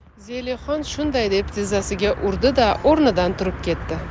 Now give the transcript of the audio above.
zelixon shunday deb tizzasiga urdi da o'rnidan turib ketdi